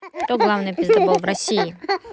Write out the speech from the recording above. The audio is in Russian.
кто главный пиздобол в россии